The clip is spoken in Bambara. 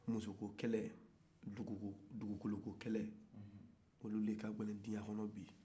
musoko kɛlɛ dugukoloko kɛlɛ olu de ka gɛlɛn diɲa kɔnɔ bi